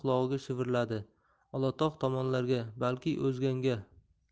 qulog'iga shivirladi olatog' tomonlarga balki o'zganga